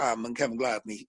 am 'yn cefn gwlad ni